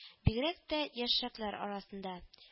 Бигрәк тә яшьрәкләр арасында